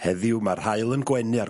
Heddiw mae'r haul yn gwenu ar...